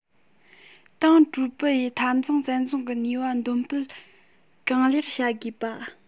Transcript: ཏང ཀྲི པུའུ ཡིས འཐབ འཛིང བཙན རྫོང གི ནུས པ འདོན སྤེལ གང ལེགས བྱ དགོས པ